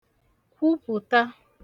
kwupụ̀ta